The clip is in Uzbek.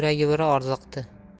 yu yuragi bir orziqdi